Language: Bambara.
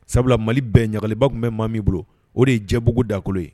Sabula mali bɛɛ ɲagaliba tun bɛ maa min bolo o de ye jɛbugu dakolo ye